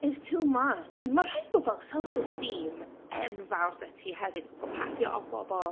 It's too much. Mae rhaid bod fel, self-esteem enfawr 'da ti hefyd i paffio off pobl.